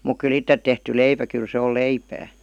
mutta kyllä itse tehty leipä kyllä se on leipää